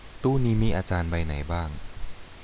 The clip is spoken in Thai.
ตู้นี้มีอาจารย์ใบไหนบ้าง